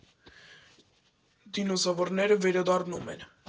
Դինոզավրները վերադառնում են։